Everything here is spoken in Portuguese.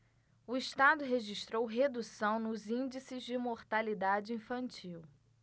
o estado registrou redução nos índices de mortalidade infantil